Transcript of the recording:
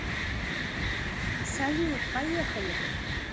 салют поехали